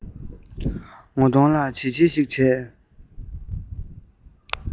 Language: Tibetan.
ངོ གདོང ལ བྱིལ བྱིལ ཞིག བྱས